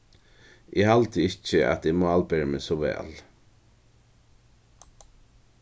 eg haldi ikki at eg málberi meg so væl